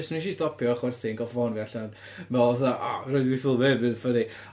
so wnes i stopio a chwerthin cael ffôn fi allan meddwl fatha o rhaid i fi ffilmio hyn, ma hyn yn funny